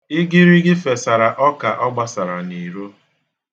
Igirigi fesara ọka ọ gbasara n'iro.